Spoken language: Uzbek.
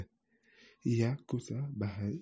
iya ko'sa bahay